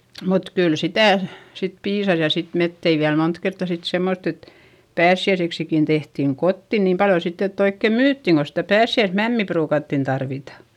mutta kyllä sitä sitten piisasi ja sitten me teimme vielä monta kertaa sitten semmottoon että pääsiäiseksikin tehtiin kotiin niin paljon sitten että oikein myytiin kun sitä pääsiäismämmiä ruukattiin tarvita